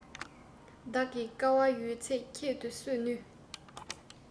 བདག གིས དཀའ བ ཡོད ཚད ཁྱད དུ གསོད ནུས